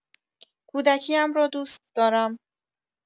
کودکیم را، دوست دارم.